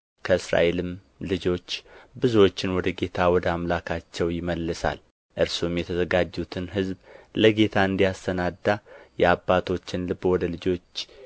ከእስራኤልም ልጆች ብዙዎችን ወደ ጌታ ወደ አምላካቸው ይመልሳል እርሱም የተዘጋጁትን ሕዝብ ለጌታ እንዲያሰናዳ የአባቶችን ልብ ወደ ልጆች